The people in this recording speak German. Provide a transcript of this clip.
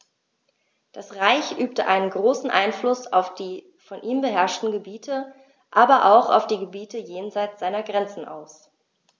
Das Reich übte einen großen Einfluss auf die von ihm beherrschten Gebiete, aber auch auf die Gebiete jenseits seiner Grenzen aus.